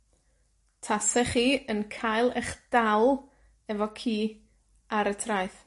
Tasech chi yn cael eich dal efo ci ar y traeth.